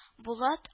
Булат